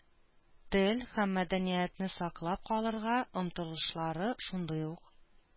Тел һәм мәдәниятне саклап калырга омтылышлары шундый ук.